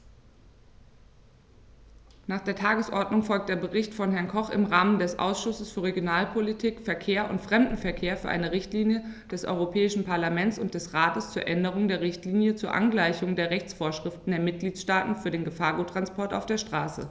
Nach der Tagesordnung folgt der Bericht von Herrn Koch im Namen des Ausschusses für Regionalpolitik, Verkehr und Fremdenverkehr für eine Richtlinie des Europäischen Parlament und des Rates zur Änderung der Richtlinie zur Angleichung der Rechtsvorschriften der Mitgliedstaaten für den Gefahrguttransport auf der Straße.